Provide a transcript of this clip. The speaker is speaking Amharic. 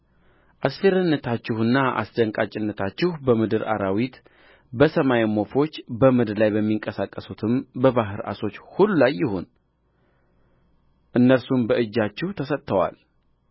አስፈሪነታችሁና አስደንጋጭነታችሁ በምድር አራዊት በሰማይም ወፎች በምድር ላይ በሚንቀሳቀሱትም በባሕር ዓሦችም ሁሉ ላይ ይሁን እነርሱም በእጃችሁ ተሰጥተዋል